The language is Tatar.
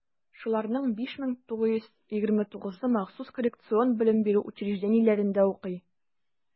Шуларның 5929-ы махсус коррекцион белем бирү учреждениеләрендә укый.